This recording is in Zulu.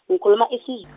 ngikhuluma isiZu-.